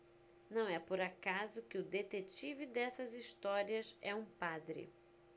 não é por acaso que o detetive dessas histórias é um padre